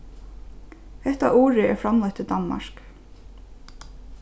hetta urið er framleitt í danmark